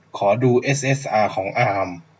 ขอดูเอสเอสอาของอาม